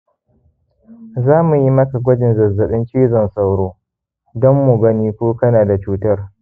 za mu yi maka gwajin zazzabin cizon sauro don mu gani ko kana da cutar